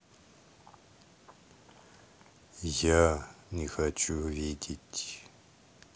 я не хочу увидеть